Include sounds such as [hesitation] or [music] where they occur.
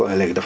[hesitation] [hesitation]